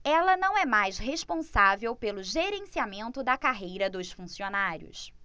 ela não é mais responsável pelo gerenciamento da carreira dos funcionários